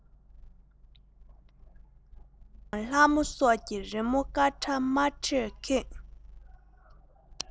ལྷ དང ལྷ མོ སོགས ཀྱི རི མོ དཀར ཁྲ དམར ཁྲས ཁེངས